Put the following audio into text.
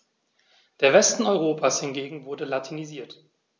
Der Westen Europas hingegen wurde latinisiert.